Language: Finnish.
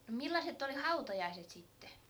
no millaiset oli hautajaiset sitten